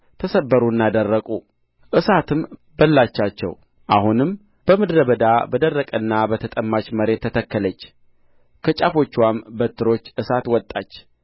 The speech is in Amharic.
ተሰበሩና ደረቁ እሳትም በላቻቸው አሁንም በምድረ በዳ በደረቅና በተጠማች መሬት ተተከለች ከጫፎችዋም በትሮች እሳት ወጣች